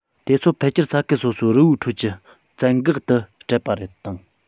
དེ ཚོ ཕལ ཆེར ས ཁུལ སོ སོའི རི བོའི ཁྲོད ཀྱི བཙན འགག ཏུ བསྐྲད པ དང